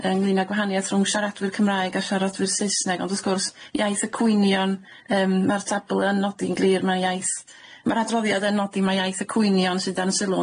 ynglŷn a gwahanieth rhwng siaradwyr Cymraeg a siaradwyr Seusneg ond wrth gwrs, iaith y cwynion yym ma'r tabla yn nodi'n glir ma'r iaith ma'r adroddiad yn nodi ma' iaith y cwynion sydd dan y sylw ynde?